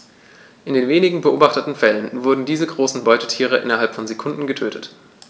In den wenigen beobachteten Fällen wurden diese großen Beutetiere innerhalb von Sekunden getötet.